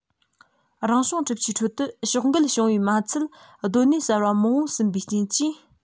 རང བྱུང གྲུབ ཆའི ཁྲོད དུ ཕྱོགས འགལ བྱུང བའི མ ཚད སྡོད གནས གསར པ མང པོ ཟིན པའི རྐྱེན གྱིས